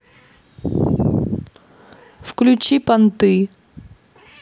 включи понты